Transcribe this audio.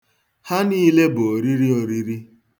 Ha niile bụ maka oriri.